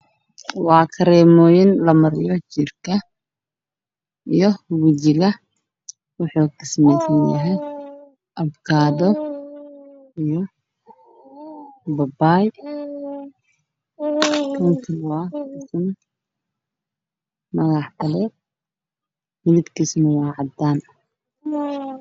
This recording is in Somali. Meeshaan waxaa ka muuqdo kareemooyin la mariyo jirka